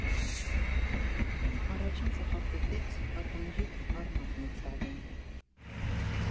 Առաջին ծխախոտից ականջիդ արմատն է ցավում։